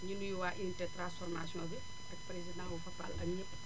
ñu ngi nuyu waa unité transformation bi ak président wu Fapal ak ñëpp